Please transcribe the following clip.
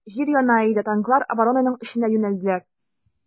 Җир яна иде, танклар оборонаның эченә юнәлделәр.